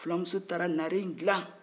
filamuso taara naare in dila